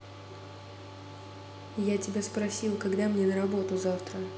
я тебя спросил когда мне на работу завтра